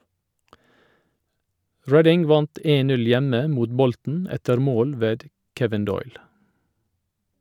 Reading vant 1-0 hjemme mot Bolton etter mål ved Kevin Doyle.